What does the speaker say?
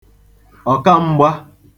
ọ̀kam̄gbā